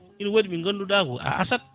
ina waɗi ɓe ganduɗa a asat